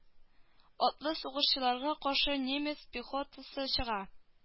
Атлы сугышчыларга каршы немец пехотасы чыга